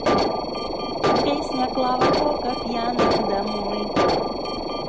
песня клава кока пьяная домой